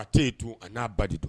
A tɛ yen dun a n'a ba de don